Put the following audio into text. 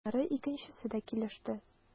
Аннары икенчесе дә килеште.